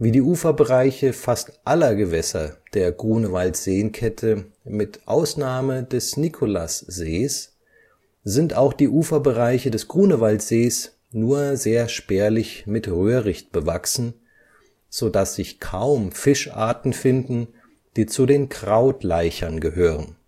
die Uferbereiche fast aller Gewässer der Grunewaldseenkette mit Ausnahme des Nikolassees sind auch die Uferbereiche des Grunewaldsees nur sehr spärlich mit Röhricht bewachsen, sodass sich kaum Fischarten finden, die zu den Krautlaichern gehören